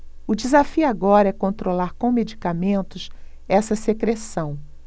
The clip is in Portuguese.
o desafio agora é controlar com medicamentos essa secreção